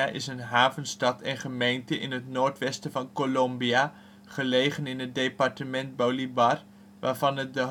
is een havenstad en gemeente in het noordwesten van Colombia, gelegen in het departement Bolívar waarvan het de hoofdstad